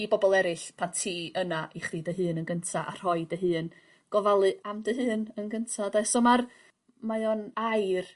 i bobol eryll pan ti yna i chdi dy hun yn gynta a rhoi dy hun gofalu am dy hun yn gynta 'de so ma'r mae o'n air